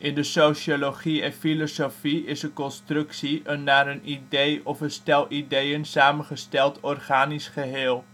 de sociologie en filosofie is een constructie een naar een idee of een stel ideeën samengesteld organisch geheel